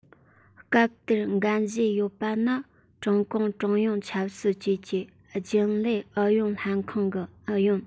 སྐབས དེར འགན བཞེས ཡོད པ ནི ཀྲུང གུང ཀྲུང དབྱང ཆབ སྲིད ཅུས ཀྱི རྒྱུན ལས ཨུ ཡོན ལྷན ཁང གི ཨུ ཡོན